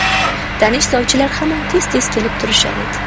tanish sovchilar hamon tez tez kelib turishar edi